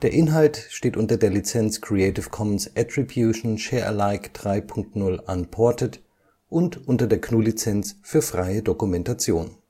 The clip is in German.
Inhalt steht unter der Lizenz Creative Commons Attribution Share Alike 3 Punkt 0 Unported und unter der GNU Lizenz für freie Dokumentation